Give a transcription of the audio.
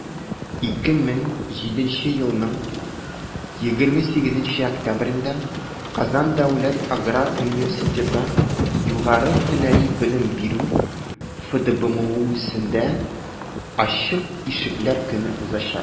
2017 елның 28 октябрендә «казан дәүләт аграр университеты» югары һөнәри белем бирү фдбмусендә ачык ишекләр көне узачак.